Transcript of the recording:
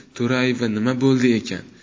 to'rayeva nima bo'ldi ekan